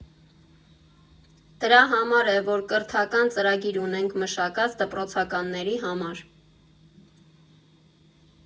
Դրա համար է, որ կրթական ծրագիր ունենք մշակած՝ դպրոցականների համար։